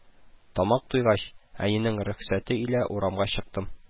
Тамак туйгач, әнинең рөхсәте илә урамга чыктым